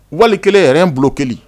Wali kelen yɛrɛ n bulon kelen